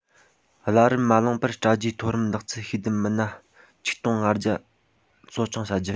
གླ རིན མ བླངས པར དྲ རྒྱའི མཐོ རིམ ལག རྩལ ཤེས ལྡན མི སྣ ཆིག སྟོང ལྔ བརྒྱ གསོ སྦྱོང བྱ རྒྱུ